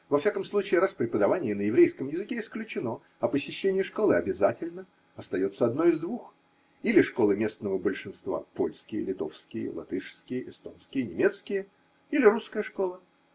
Во всяком случае, раз преподавание на еврейском языке исключено, а посещение школы обязательно, остается одно из двух: или школы местного большинства – польские, литовские, латышские, эстонские, немецкие, – или русская школа.